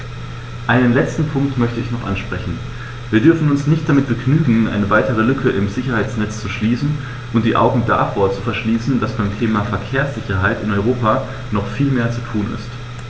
Einen letzten Punkt möchte ich noch ansprechen: Wir dürfen uns nicht damit begnügen, eine weitere Lücke im Sicherheitsnetz zu schließen und die Augen davor zu verschließen, dass beim Thema Verkehrssicherheit in Europa noch viel mehr zu tun ist.